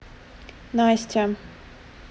настя